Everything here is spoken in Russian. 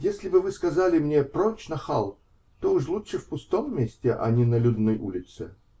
-- Если бы вы сказали мне "прочь, нахал", то уж лучше в пустом месте, а не на людной улице.